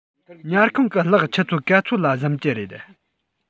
ཉལ ཁང གི གློག ཆུ ཚོད ག ཚོད ལ གཟིམ གྱི རེད